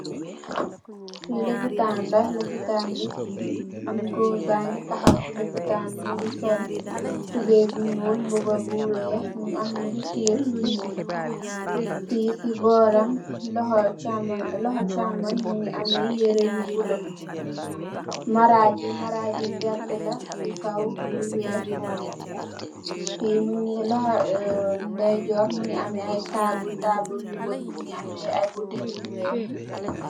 Fi lopitan la lopial bi gorr ban gi tahaw si lopital bi mungi sol tubai bi n'uul burba bu weex mungi teyeh lu n'uul si borom lohol chamungo bi mungi ameh lu blue si loho denjurum mungi ameh ai tableu.